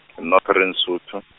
Northern Sotho.